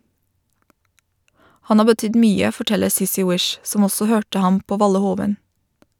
Han har betydd mye, forteller Sissy Wish, som også hørte ham på Valle Hovin.